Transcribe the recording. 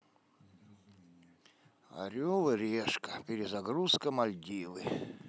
орел и решка перезагрузка мальдивы